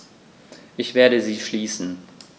Ich werde sie schließen.